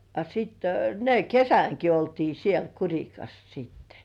a sitten ne kesänkin oltiin siellä Kurikassa sitten